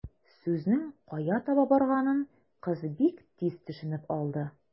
Сүзнең кая таба барганын кыз бик тиз төшенеп алды.